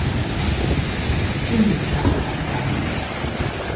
спасение леопарда